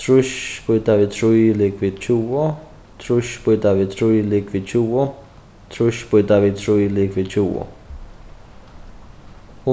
trýss býta við trý ligvið tjúgu trýss býta við trý ligvið tjúgu trýss býta við trý ligvið tjúgu